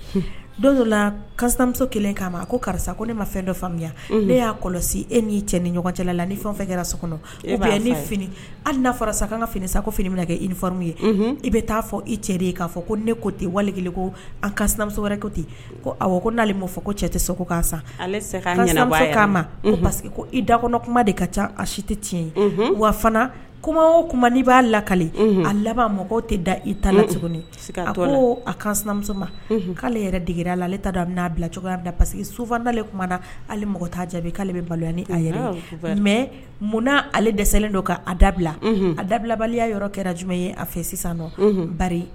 Don dɔ lamuso kelen' ma ko karisa ko ne ma fɛn dɔ faamuya ne y'a kɔlɔsi ei cɛ ni ɲɔgɔncɛ la ni fɛn kɛra so hali ka fini sako fini kɛ i nifarin ye i bɛ taa fɔ i cɛ de'a fɔ ko ne ko tɛ wali ko an kamuso wɛrɛ ko ten ko ko n'ale fɔ ko cɛ tɛ ko i dakɔnɔ kuma de ka ca a si tɛ tiɲɛ wa fana o'i b'a lakale a laban mɔgɔw tɛ da i ta a ko amuso ma k'ale yɛrɛ dra a la ale ta n'a bila cogoyaya parce sodalen mɔgɔ jaabi k'ale bɛ yɛrɛ mɛ munna ale dɛsɛlen don k'a dabila a dabilabaliya yɔrɔ kɛra jumɛn ye a fɛ sisan ba